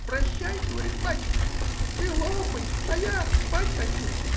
— Прощай,— говорит,— бачка, ты лопай, а я спать хочу.